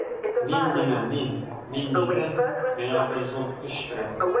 Мин димен мин, мин дисәм, миңа бер зур көч керә.